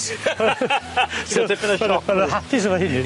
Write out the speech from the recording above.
So ma' nhw'n hapus efo hynny?